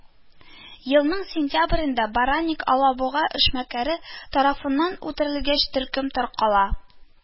Елның сентябрендә баранник алабуга эшмәкәре тарафыннан үтерелгәч, төркем таркала